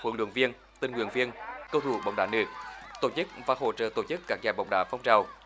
huấn luyện viên tình nguyện viên cầu thủ bóng đá nữ tổ chức và hỗ trợ tổ chức các giải bóng đá phong trào